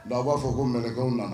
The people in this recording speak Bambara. Dɔw b'a fɔ ko mɛlɛkɛ o na